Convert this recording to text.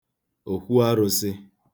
òkwu arụ̄sị̄